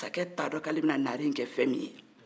masakɛ t'a dɔn ko ale bɛna naare in kɛ fɛn min ye